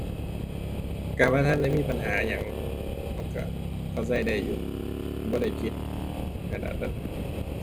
ก็บ่ทันได้มีปัญหาหยัง มันก็ ก็ก็ได้อยู่ บ่ได้คิด